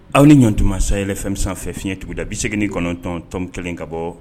Aw ni ɲɔgɔn tun masayɛlɛ fɛnmi san fɛ fiɲɛɲɛ tugun da bisegin kɔnɔntɔntɔn kelen ka bɔ